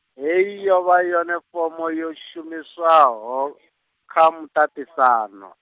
hei yo vha yone fomo yo shumishwaho, kha, muṱaṱisano.